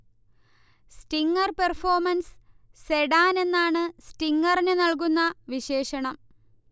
Stinger performance sedan എന്നാണ് സ്റ്റിങ്ങറിന് നൽകുന്ന വിശേഷണം